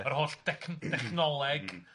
yr holl dec- technoleg m-hm.